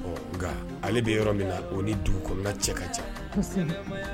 Ɔ nka ale bɛ yɔrɔ min na o ni du kɔnɔnana cɛ ka ca